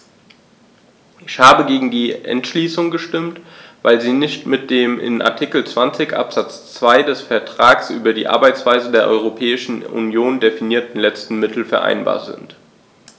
Ich habe gegen die Entschließung gestimmt, weil sie nicht mit dem in Artikel 20 Absatz 2 des Vertrags über die Arbeitsweise der Europäischen Union definierten letzten Mittel vereinbar ist.